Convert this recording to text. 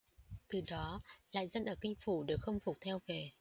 từ đó lại dân ở kinh phủ đều khâm phục theo về